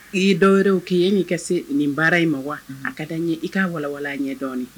I ye dɔw wɛrɛw k'i ye yani i ka se nin baara in ma wa? an b'a fɛ i k'a walan walan an ɲɛn dɔɔnin.